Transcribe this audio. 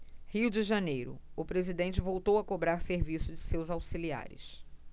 rio de janeiro o presidente voltou a cobrar serviço de seus auxiliares